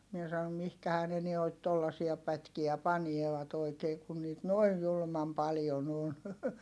minä sanoin mihinkähän ne noita tuollaisia pätkiä panevat oikein kun niitä noin julman paljon on